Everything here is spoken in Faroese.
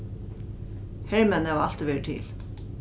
hermenn hava altíð verið til